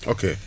ok